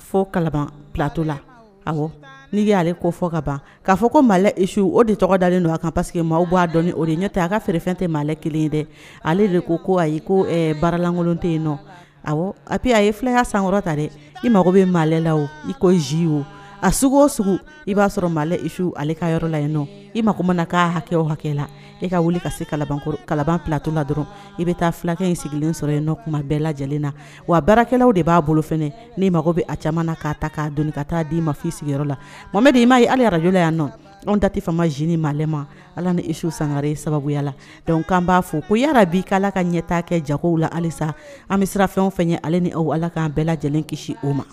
Fɔto la a ni aleale ko fɔ ka ban k'a fɔ ko ma o de tɔgɔ dalen don a kan paseke maa bɔ a dɔn o de ye ɲɛ tɛ a ka fɛ fɛn tɛ maalɛ kelen ye dɛ ale de ko ko ayi baaralankolon tɛ yen n nɔ a apiye a ye fulaya sankɔrɔ ta dɛ i mago bɛ maala i ko zi o a sugu o sugu i b'a sɔrɔ maasu ale ka yɔrɔ la n nɔ i mako ko mana ka hakɛ hakɛ la e ka wuli ka se kala kala plato la dɔrɔn i bɛ taa fulakɛ in sigilen sɔrɔ yen nɔ kuma bɛɛ lajɛlen na wa baarakɛlaw de b'a bolo fɛ ni mago bɛ a caman na k'a ta ka don ka taa d'i mafi sigiyɔrɔ la mamɛ de ma ye ala arajla yan nɔ anw tati fama z maliɛlɛma ala ni sangare sababuya la dɔnku' b'a fɔ ko yaara bi k' ala ka ɲɛ taa kɛ jagow la halisa an bɛ sira fɛn o fɛn ye ale ni aw ala k'an bɛɛ lajɛlen kisi o ma